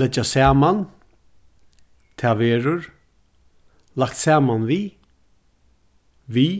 leggja saman tað verður lagt saman við við